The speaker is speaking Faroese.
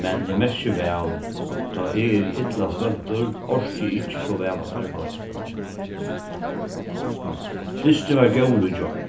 men eg merki væl tá eg eri illa svøvntur orki eg ikki so væl at arbeiða dysturin var góður í gjár